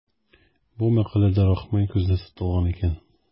Бу мәкаләдә Рахмай күздә тотылган икән.